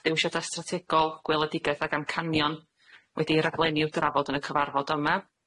dewisiada strategol gweledigaeth ag amcanion wedi ei raglennu i'w drafod yn y cyfarfod yma,